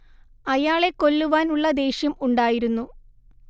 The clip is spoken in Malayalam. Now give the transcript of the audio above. അയാളെ കൊല്ലുവാൻ ഉള്ള ദേഷ്യം ഉണ്ടായിരുന്നു